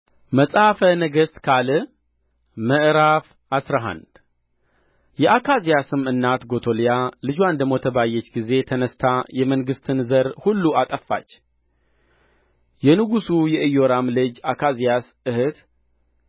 መጽሐፈ ነገሥት ካልዕ ምዕራፍ አስራ አንድ የአካዝያስም እናት ጎቶልያ ልጅዋ እንደ ሞተ ባየች ጊዜ ተነሥታ የመንግሥትን ዘር ሁሉ አጠፋች የንጉሡ የኢዮራም ልጅ የአካዝያስ እኅት